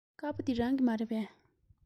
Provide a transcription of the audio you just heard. དཀར པོ འདི རང གི མ རེད པས